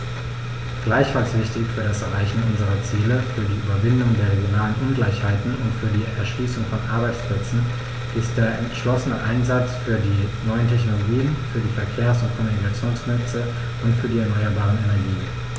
Gleichfalls wichtig für das Erreichen unserer Ziele, für die Überwindung der regionalen Ungleichheiten und für die Erschließung von Arbeitsplätzen ist der entschlossene Einsatz für die neuen Technologien, für die Verkehrs- und Kommunikationsnetze und für die erneuerbaren Energien.